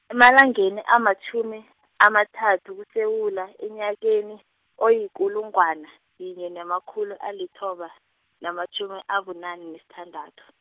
emalangeni amatjhumi, amathathu kuSewula enyakeni, oyikulungwana, yinye namkhulu alithoba, namatjhumi abunane nesithandathu.